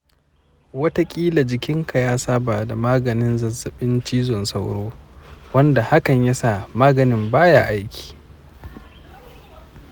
wataƙila jikinka ya saba da maganin zazzaɓin cizon sauro, wanda hakan ya sa maganin ba ya aiki.